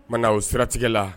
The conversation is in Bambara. Tuma na o siratigɛ la